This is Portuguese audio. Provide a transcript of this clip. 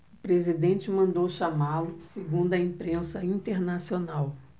o presidente mandou chamá-lo segundo a imprensa internacional